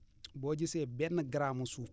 boo gisee benn gramme mu suuf